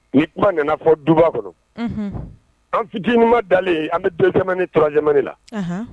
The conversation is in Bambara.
Ni kuma nana fɔ duba kɔnɔ . Unhun an fitinin man dalen an bi kalan so 2 nan ni 3nan la Unhun